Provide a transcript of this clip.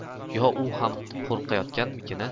yo u ham qo'rqayotganmikan